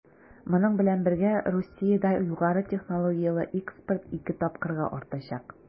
Моның белән бергә Русиядә югары технологияле экспорт 2 тапкырга артачак.